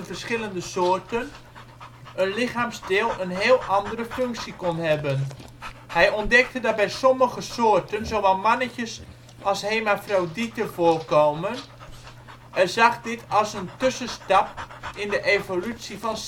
soorten een lichaamsdeel een heel andere functie kon hebben. Hij ontdekte dat bij sommige soorten zowel mannetjes als hermafrodieten voorkomen en zag dit als een tussenstap in de evolutie van